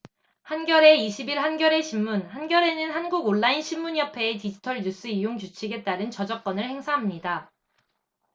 한겨레 이십 일 한겨레신문 한겨레는 한국온라인신문협회의 디지털뉴스이용규칙에 따른 저작권을 행사합니다